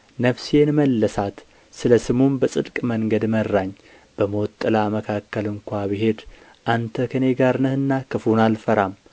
ነፍሴን መለሳት ስለ ስሙም በጽድቅ መንገድ መራኝ በሞት ጥላ መካከል እንኳ ብሄድ አንተ ከእኔ ጋር ነህና ክፉን አልፈራም